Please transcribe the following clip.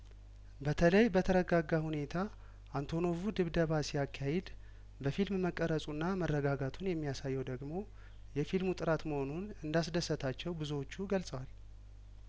በተለይ በተረጋጋ ሁኔታ አንቶኖቩ ድብደባ ሲያካሂድ በፊልም መቀረጹና መረጋጋቱን የሚያሳየው ደግሞ የፊልሙ ጥራት መሆኑን እንዳስ ደሰታቸው ብዙዎቹ ገልጸዋል